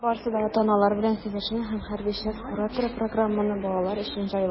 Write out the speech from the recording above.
Барысы да ата-аналар белән сөйләшенә, һәм хәрби часть кураторы программаны балалар өчен җайлый.